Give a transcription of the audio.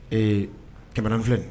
Ee kɛmɛ filɛ